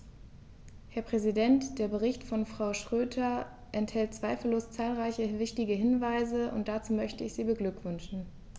Herr Präsident, der Bericht von Frau Schroedter enthält zweifellos zahlreiche wichtige Hinweise, und dazu möchte ich sie beglückwünschen.